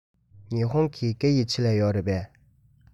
ཉི ཧོང གི སྐད ཡིག ཆེད ལས ཡོད རེད པས